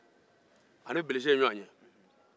a ni bilisi ye ɲɔgɔn ye